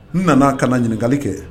N nana kana ɲininkali kɛ.